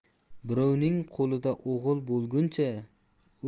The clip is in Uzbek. birovning qoiida o'g'il bo'lguncha